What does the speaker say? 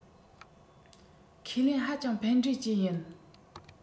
ཁས ལེན ཧ ཅང ཕན འབྲས ཅན ཡིན